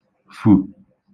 fù